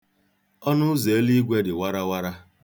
Ọnụụzọ eluigwe dị warawara.